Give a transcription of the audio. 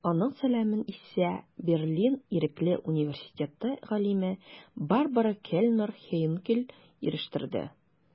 Аның сәламен исә Берлин Ирекле университеты галиме Барбара Кельнер-Хейнкель ирештерде.